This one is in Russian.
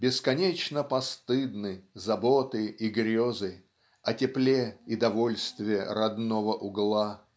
Бесконечно-постыдны заботы и грезы О тепле и довольстве родного угла.